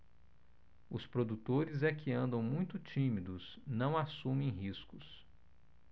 os produtores é que andam muito tímidos não assumem riscos